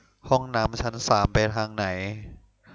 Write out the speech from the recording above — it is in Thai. ห้องน้ำชั้นสามไปทางไหน